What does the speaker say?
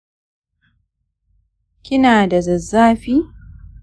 kina da zazzafi